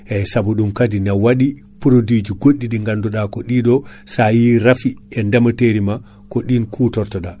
eyyi saabi ɗu kaadi ne waɗi produit ji goɗɗi ɗi gabduɗa ko ɗiɗo sa yi rafi e ndemateri ma ko ɗin kutortoɗa